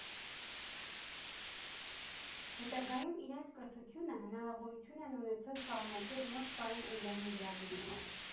Հետագայում իրենց կրթությունը հնարավորություն են ունեցել շարունակել Մոսկվայում ու Լենինգրադում։